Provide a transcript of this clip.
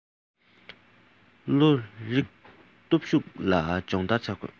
བློ རི གི སྟོབས ཤུགས ལ སྦྱོང བརྡར བྱ དགོས